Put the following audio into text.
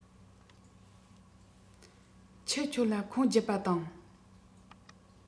ཁྱི ཁྱོད ལ ཁུངས བརྒྱུད པ དང